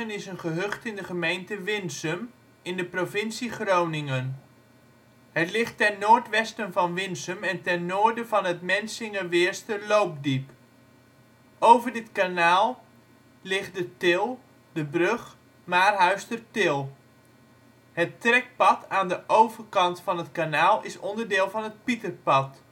is een gehucht in de gemeente Winsum in de provincie Groningen. Het ligt ten noordwesten van Winsum en ten noorden van het Mensingeweerster loopdiep. Over dit kanaal ligt de til (brug) Maarhuistertil. Het trekpad aan de overkant van het kanaal is onderdeel van het Pieterpad